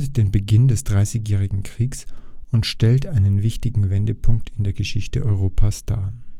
den Beginn des Dreißigjährigen Krieges und stellt einen wichtigen Wendepunkt in der Geschichte Europas dar